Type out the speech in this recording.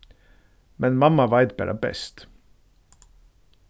men mamma veit bara best